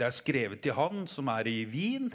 det er skrevet til ham som er i Wien.